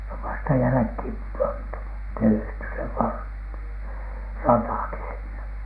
se on vasta jälkeen pantu tehty se - ratakin sinne